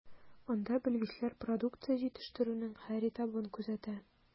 Анда белгечләр продукция җитештерүнең һәр этабын күзәтә.